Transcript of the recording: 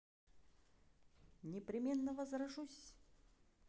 непременно возрожусь